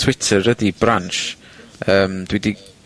Twitter ydi Branch. Yym, dwi 'di